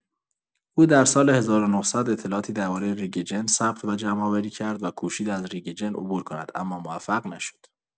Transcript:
او در سال۱۹۰۰ اطلاعاتی درباره ریگ جن ثبت و جمع‌آوری کرد و کوشید از ریگ جن عبور کند، اما موفق نشد.